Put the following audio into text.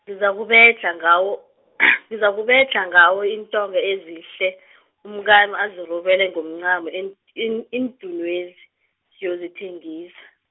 ngizakubedlha ngawo, ngizakubedlha ngawo iintonga ezihle , umkami azirubele ngomncamo em- iin- iindunwezi, siyozithengisa.